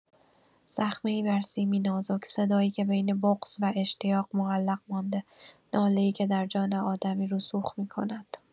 زخمه‌ای بر سیمی نازک، صدایی که بین بغض و اشتیاق معلق مانده، ناله‌ای که در جان آدمی رسوخ می‌کند.